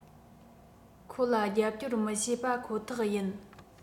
ཁོ ལ རྒྱབ སྐྱོར མི བྱེད པ ཁོ ཐག ཡིན